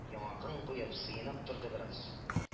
Яңагын куеп, сыенып торды бераз